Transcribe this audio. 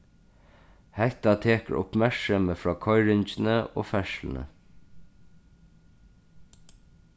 hetta tekur uppmerksemið frá koyringini og ferðsluni